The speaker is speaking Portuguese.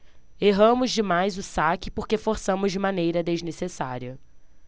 erramos demais o saque porque forçamos de maneira desnecessária